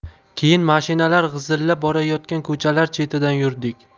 keyin mashinalar g'izillab borayotgan ko'chalar chetidan yurdik